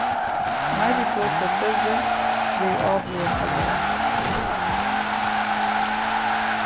meir vit tosa størri verður áhugin at greiða frá